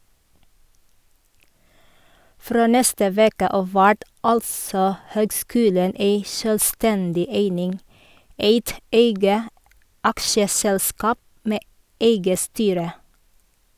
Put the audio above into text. Frå neste veke av vert altså høgskulen ei sjølvstendig eining, eit eige aksjeselskap med eige styre.